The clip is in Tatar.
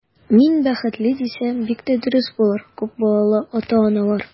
Мин бәхетле, дисә, бик тә дөрес булыр, күп балалы ата-аналар.